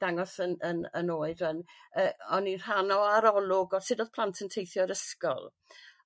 dangos 'yn 'yn 'yn oed rwan yy o'n i'n rhan o arolwg odd sud odd plant yn teithio i'r ysgol.